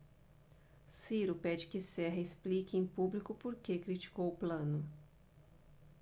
ciro pede que serra explique em público por que criticou plano